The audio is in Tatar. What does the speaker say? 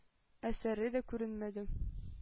Әсәре дә күренмәде.